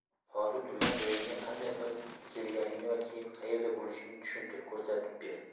hozir turgan joyingga qanday qilib kelganingni va keyin qayerda bo'lishingni tushuntir ko'rsatib ber